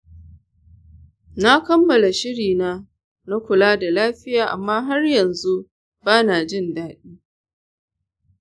na kammala shiri na na kula da lafiya amma har yanzu ba na jin daɗi.